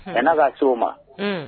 A ka so o ma